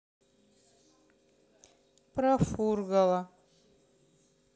про фургала